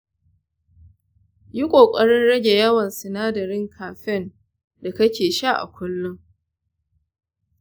yi ƙoƙarin rage yawan sinadarin caffeine da kake sha a kullum.